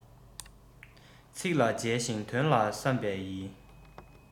ཚིག ལ མཇལ ཞིང དོན ལ བསམ པ ཡིས